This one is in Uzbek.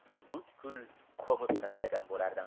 butkul ko'mib tashlagan bo'lardi